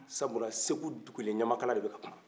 sabula segu dugulen ɲamakala de bɛ ka kuma